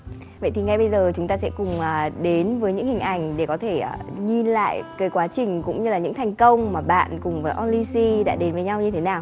vậy thì ngay bây giờ chúng ta sẽ cùng đến với những hình ảnh để có thể nhìn lại quá trình cũng như là những thành công mà bạn cùng với on ly xi đã đến với nhau như thế nào